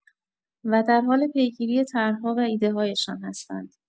و در حال پیگیری طرح‌ها و ایده‌هایشان هستند.